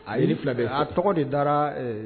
A jiri fila bɛɛ, a tɔgɔ de dara ɛɛ